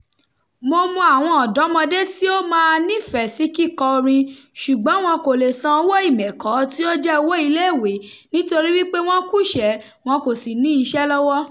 "Mo mọ àwọn ọ̀dọ́mọdé tí ó máa nífẹ̀ẹ́ sí kíkọ́ orin ṣùgbọ́n wọn kò leè san owó ìmẹ̀kọ tí ó jẹ́ owó iléèwé nítorí wípé wọn kúṣẹ̀ẹ́ wọn kò sì ní iṣẹ́ lọ́wọ́ ".